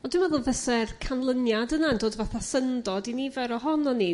On' dwi meddwl fase'r canlyniad yna yn dod fatha syndod i nifer ohonon ni